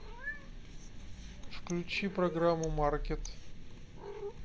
включи программу маркет